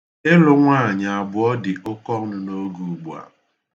Ịlụ nwaanyị abụọ dị oke ọnụ n'oge ugbua.